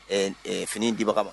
Fini diba ka ma